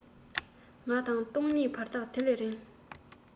ང དང སྟོང ཉིད བར ཐག དེ ལས རིང